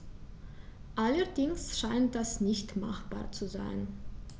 Allerdings scheint das nicht machbar zu sein.